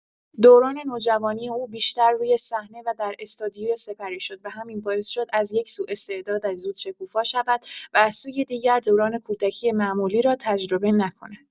دوران نوجوانی او بیشتر روی صحنه و در استودیو سپری شد و همین باعث شد از یک‌سو استعدادش زود شکوفا شود و از سوی دیگر دوران کودکی معمولی را تجربه نکند.